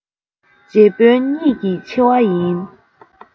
རྗེ དཔོན ཉིད ཀྱི ཆེ བ ཡིན